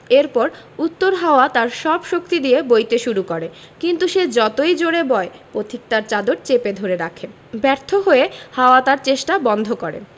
এরপর উত্তর হাওয়া তার সব শক্তি দিয়ে বইতে শুরু করে কিন্তু সে যতই জোড়ে বয় পথিক তার চাদর চেপে ধরে রাখে ব্যর্থ হয়ে হাওয়া তার চেষ্টা বন্ধ করে